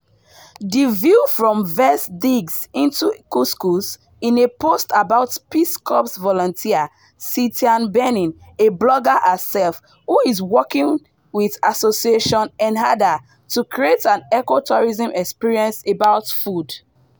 The View from Fez digs into couscous in a post about Peace Corps volunteer Cynthia Berning (a blogger herself), who is working with Association ENNAHDA to create an eco-tourism experience around food.